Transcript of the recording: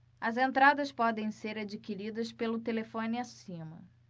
as entradas podem ser adquiridas pelo telefone acima